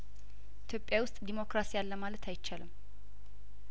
ኢትዮጵያ ውስጥ ዲሞክራሲ አለማለት አይቻልም